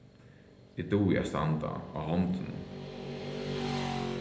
eg dugi at standa á hondunum